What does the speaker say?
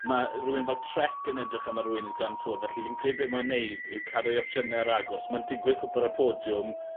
ma' rywun fel Trek yn edrych am arweinydd Gran' Tour felly iy'n credu be' mae'n neud yw cadw ei opsiyne ar agor so ma'n digwydd cwmpo ar y podiwm